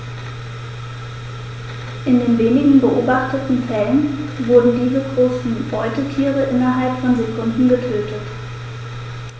In den wenigen beobachteten Fällen wurden diese großen Beutetiere innerhalb von Sekunden getötet.